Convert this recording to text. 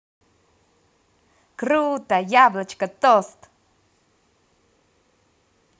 круто яблочко тост